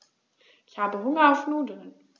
Ich habe Hunger auf Nudeln.